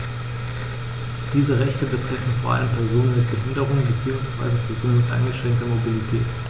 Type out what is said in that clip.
Diese Rechte betreffen vor allem Personen mit Behinderung beziehungsweise Personen mit eingeschränkter Mobilität.